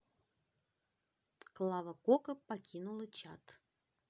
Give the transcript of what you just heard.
клава кока покинула чат